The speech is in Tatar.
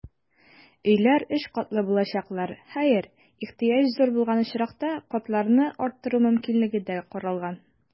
Өйләр өч катлы булачаклар, хәер, ихтыяҗ зур булган очракта, катларны арттыру мөмкинлеге дә каралган.